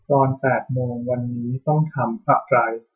ตอนแปดโมงวันนี้ต้องทำอะไร